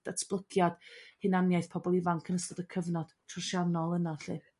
datblygiad hunaniaeth pobol ifanc yn ystod y cyfnod trosiannol yna 'lly.